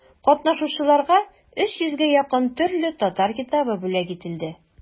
Катнашучыларга өч йөзгә якын төрле татар китабы бүләк ителде.